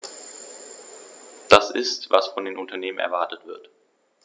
Das ist, was von den Unternehmen erwartet wird.